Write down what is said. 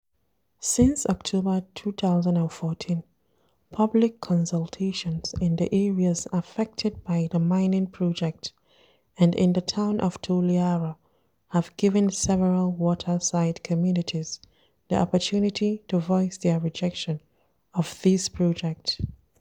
Since October 2014, public consultations in the areas affected by the mining project and in the town of Toliara have given several waterside communities the opportunity to voice their rejection of this project.